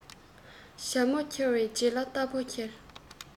བྱ མོ ཁྱེར བའི རྗེས ལ རྟ ཕོ འཁྱེར